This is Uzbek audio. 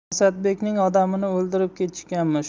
asadbekning odamini o'ldirib ketishganmish